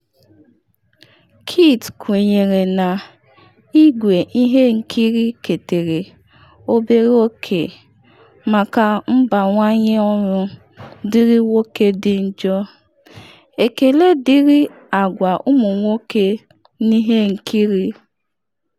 Kit kwenyere na igwe ihe nkiri ketere obere oke maka mbawanye ọrụ dịrị nwoke dị njọ, ekele dịịrị agwa ụmụ-nwoke n’ihe nkiri.